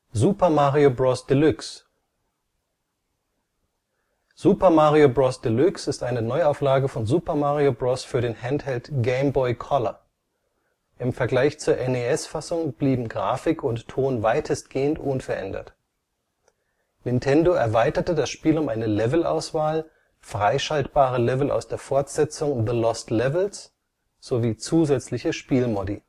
Super Mario Bros. Deluxe → Hauptartikel: Super Mario Bros. Deluxe Super Mario Bros. Deluxe (GBC, 1999) ist eine Neuauflage von Super Mario Bros. für den Handheld Game Boy Color. Im Vergleich zur NES-Fassung blieben Grafik und Ton weitestgehend unverändert. Nintendo erweiterte das Spiel um eine Levelauswahl, freischaltbare Level aus der Fortsetzung The Lost Levels sowie zusätzliche Spielmodi